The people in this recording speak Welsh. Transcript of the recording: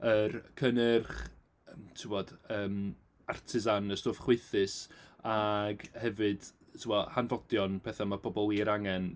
Yr cynnyrch timod yym artisan, y stwff chwaethus ac hefyd timod hanfodion, peth ma' pobl wir angen.